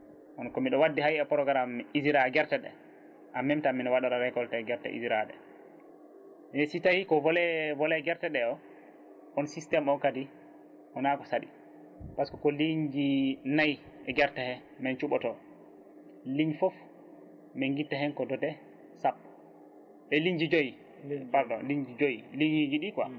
hono ko mbiɗa waddi ha programme ISRA guerte ɗe en même temps mbiɗa waɗa arécolté gurete ISRA ɗe mais si tawi ko volet volet guerte ɗe o on systéme o kadi wona ko saaɗi par ce que ko ligne ji nayyi e guerte he min cuɓoto ligne foof min guitta hen ko doote sappo e ligne joyyi pardon ligne joyyi ligne uji ɗi quoi